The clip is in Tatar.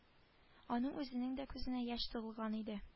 Аның үзенең дә күзенә яшь тыгылган иде